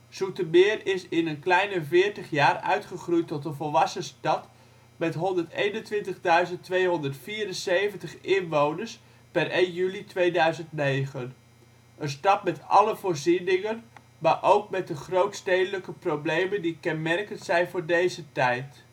Zoetermeer is in een kleine 40 jaar uitgegroeid tot een volwassen stad met 121.274 inwoners per 1 juli 2009. Een stad met alle voorzieningen maar ook met de grootstedelijke problemen die kenmerkend zijn voor deze tijd